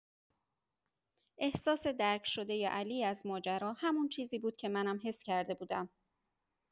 احساس درک‌شدۀ علی از ماجرا همون چیزی بود که منم حس کرده بودم.